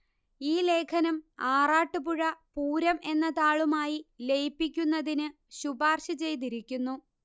ഈ ലേഖനം ആറാട്ടുപുഴ പൂരം എന്ന താളുമായി ലയിപ്പിക്കുന്നതിന് ശുപാര്ശ ചെയ്തിരിക്കുന്നു